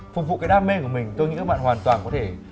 phục vụ cái đam mê của mình tôi nghĩ các bạn hoàn toàn có thể